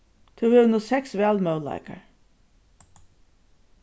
tú hevur nú seks valmøguleikar